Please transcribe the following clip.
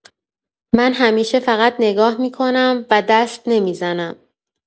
من همیشه فقط نگاه می‌کنم و دست نمی‌زنم.